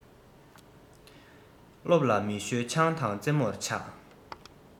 སློབ ལ མི ཞོལ ཆང དང རྩེད མོར ཆགས